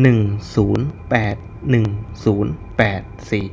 หนึ่งศูนย์แปดหนึ่งศูนย์แปดสี่